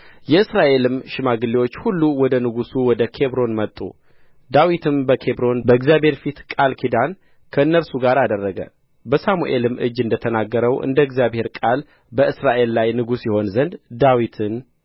የእስራኤልም ሽማግሌዎች ሁሉ ወደ ንጉሡ ወደ ኬብሮን መጡ ዳዊትም በኬብሮን በእግዚአብሔር ፊት ቃል ኪዳን ከእነርሱ ጋር አደረገ በሳሙኤልም እጅ እንደ ተናገረው እንደ እግዚአብሔር ቃል በእስራኤል ላይ ንጉሥ ይሆን ዘንድ ዳዊትን